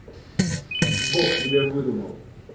бог тебя выдумал